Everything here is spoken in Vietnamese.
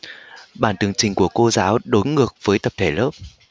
bản tường trình của cô giáo đối ngược với tập thể lớp